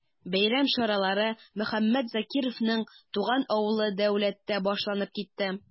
Бәйрәм чаралары Мөхәммәт Закировның туган авылы Дәүләттә башланып китте.